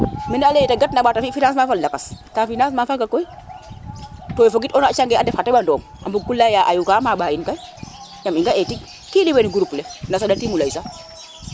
mbina a leye yete gat na ga mbi financement fa lakas ka financement :far faga koy we fogit onga a canga ndef xa teɓanong ko leya ye Ayou ka maɓa yinn kay yam i nga a tig kil we groupe we nda saɗa timo ley sax